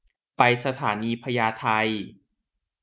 ไปสถานีพญาไท